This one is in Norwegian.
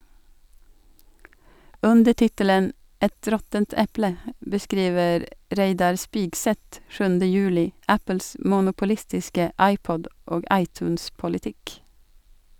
Under tittelen «Et råttent eple» beskriver Reidar Spigseth 7. juli Apples monopolistiske iPod- og iTunes-politikk.